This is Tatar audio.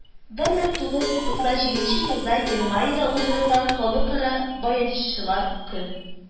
Бер мең тугыз йөз туксаң җиденче елда германиядә уздырылган халыкара баянчылар кон